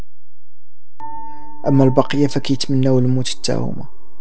اما البقيه فكيت من اول مو تداومي